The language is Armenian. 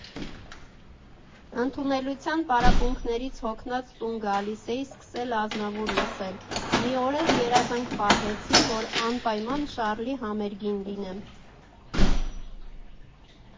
Ընդունելության պարապմունքներից հոգնած տուն գալիս էի սկսել Ազնավուր լսել, մի օր էլ երազանք պահեցի, որ անպայման Շառլի համերգին լինեմ։